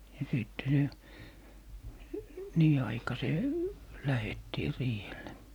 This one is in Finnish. ja sitten se niin aikaiseen lähdettiin riihelle